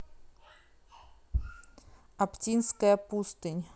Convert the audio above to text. оптинская пустынь